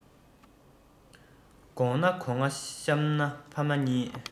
གོང ན གོ བརྡ གཤམ ན ཕ མ གཉིས